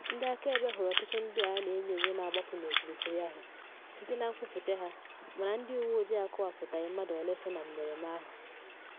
Ndị akaebe hụrụ ọtụtụ ndị a na enyo enyo na agbapụ n’okirikiri ahụ, site na nkwupute ahụ, mana ndị uwe ojii akọwapụtaghị mmadụ ole so na mmereme ahụ.